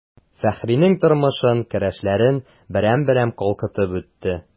Фәхринең тормышын, көрәшләрен берәм-берәм калкытып үтте.